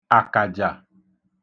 àkàjà